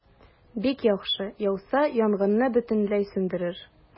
Бик яхшы, яуса, янгынны бөтенләй сүндерер.